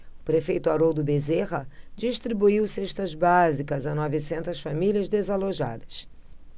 o prefeito haroldo bezerra distribuiu cestas básicas a novecentas famílias desalojadas